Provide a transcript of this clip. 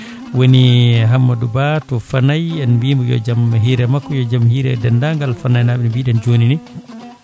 woni e Hammadou Ba to Fanayi en mbimo yo jaam hiire makko yo jaam hiire e dendagal fanaye naaɓe no mbiɗen joni ni